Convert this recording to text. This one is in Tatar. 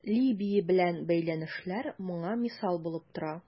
Либия белән бәйләнешләр моңа мисал булып тора.